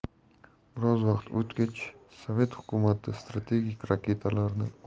biroz vaqt o'tgach sovet hukumati strategik raketalarini